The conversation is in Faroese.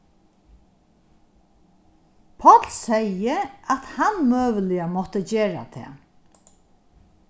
páll segði at hann møguliga mátti gera tað